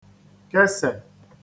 kesè